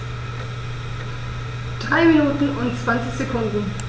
3 Minuten und 20 Sekunden